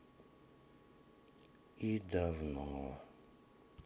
и давно